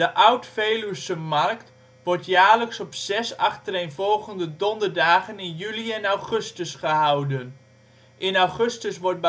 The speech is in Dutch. Oud Veluwse Markt (OVM) wordt jaarlijks op zes achtereenvolgende donderdagen in juli en augustus gehouden. In augustus wordt Ballonfiësta